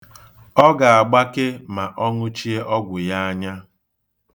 Ọ ga-agbake ma ọ n̄ụchie ọgwụ ya anya.